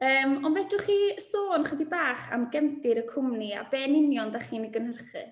Yym, ond fedrwch chi sôn ychydig bach am gefndir y cwmni a be yn union dach chi'n ei gynhyrchu?